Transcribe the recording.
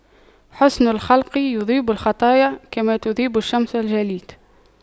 حُسْنُ الخلق يذيب الخطايا كما تذيب الشمس الجليد